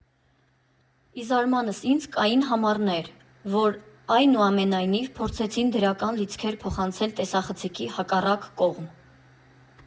Ի զարմանս ինձ՝ կային համառներ, որ այնուամենայնիվ փորձեցին դրական լիցքեր փոխանցել տեսախցիկի հակառակ կողմ։